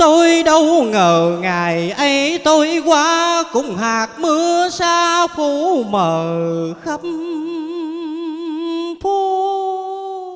tôi đâu ngờ ngày ấy tôi qua cùng hạt mưa sa phủ mờ khắp phố